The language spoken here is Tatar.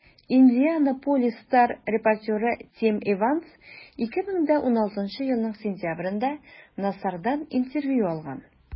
«индианаполис стар» репортеры тим эванс 2016 елның сентябрендә нассардан интервью алган.